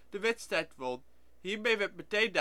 de wedstrijd won. Hiermee werd meteen